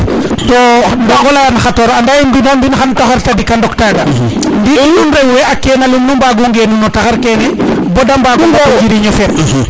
to Ndongo leyan xator anda ye mbino mbin xan taxar tadik a ndonk taga ndiki nuun rewe a kena lum nu mbagu ngenu no taxar kene bada mbago jiriño feet